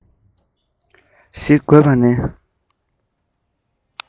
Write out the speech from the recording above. ཤིག དགོས པ ནི